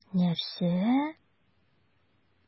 Нәрсә?!